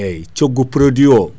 eyyi coggu produit o